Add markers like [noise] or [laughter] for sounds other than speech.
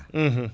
[hesitation] [hesitation]